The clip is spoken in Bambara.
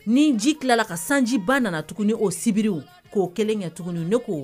Ni ji tilala ka sanjiba nana tugun ni oo sibiri k'o kelen kɛ tuguni ne koo